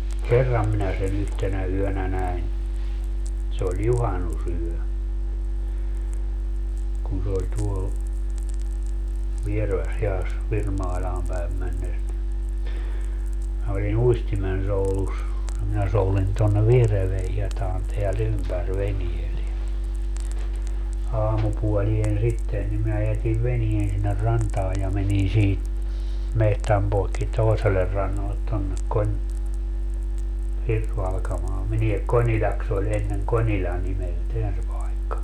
kerran minä sen yhtenä yönä näin se oli juhannusyö kun se oli tuolla Vierevässähiedassa Virmailaan päin mennessä niin minä olin uistimensoudussa ja minä soudin tuonne Viereväänhietaan täällä ympäri veneellä ja aamupuoleen sitten niin minä jätin veneen sinne rantaan ja menin siitä metsän poikki toiselle rannalle tuonne - Hirsivalkamaan menee Konilaksi oli ennen Konila nimeltään se paikka